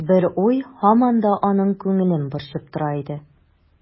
Бер уй һаман да аның күңелен борчып тора иде.